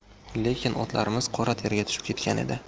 lekin otlarimiz qora terga tushib ketgan edi